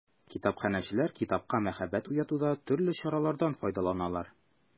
Китапханәчеләр китапка мәхәббәт уятуда төрле чаралардан файдаланалар.